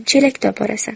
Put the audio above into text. chelakda oborasan